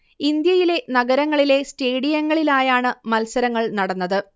ഇന്ത്യയിലെ നഗരങ്ങളിലെ സ്റ്റേഡിയങ്ങളിലായാണ് മത്സരങ്ങൾ നടന്നത്